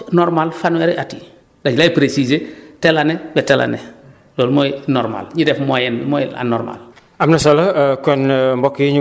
oubien mun na ëpp par rapport si normal fanweeri at yi dañ lay préciser telle année ba telle année loolu mooy normale ñu def moyenne moyenne anormale